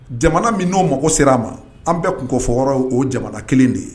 Jamana min n'o mago sera a ma an bɛɛ kunfɔkɔrɔ ye o jamana kelen de ye